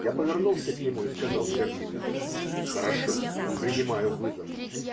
Я повернулся к нему и сказал сердито: -- Хорошо. Принимаю вызов.